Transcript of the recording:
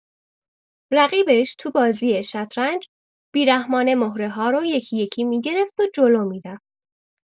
رقیبش تو بازی شطرنج، بی‌رحمانه مهره‌ها رو یکی‌یکی می‌گرفت و جلو می‌رفت.